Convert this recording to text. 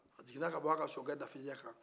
a jiginna ka bɔ a ka sokɛ dafejɛ kan